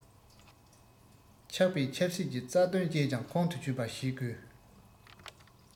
ཆགས པའི ཆབ སྲིད ཀྱི རྩ དོན བཅས ཀྱང ཁོང དུ ཆུད པ བྱེད དགོས